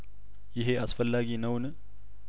ይሄ አስፈላጊ ነውን